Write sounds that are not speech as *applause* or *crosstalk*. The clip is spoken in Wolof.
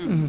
*hesitation* *hesitation*